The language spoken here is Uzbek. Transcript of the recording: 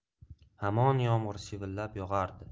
hamon yomg'ir shivalab yog'ardi